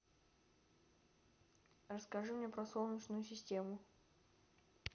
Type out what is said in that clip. расскажи мне про солнечную систему